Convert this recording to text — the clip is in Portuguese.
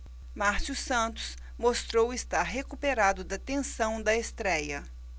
márcio santos mostrou estar recuperado da tensão da estréia